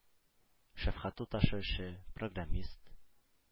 Шәфкать туташы эше, программист